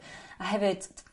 A hefyd